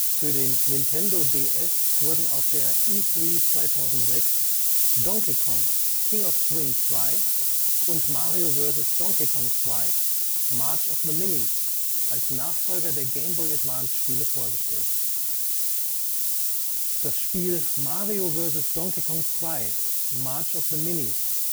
Für den Nintendo DS wurden auf der E³ 2006 Donkey Kong: King of Swing 2 und Mario VS Donkey Kong 2 - March of the Minis als Nachfolger der Game-Boy-Advance-Spiele vorgestellt. Das Spiel „ Mario vs. Donkey Kong 2 - March of the Minis